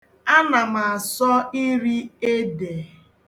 Ana m asọ iri ede.